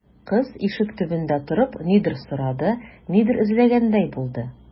Кыз, ишек төбендә торып, нидер сорады, нидер эзләгәндәй булды.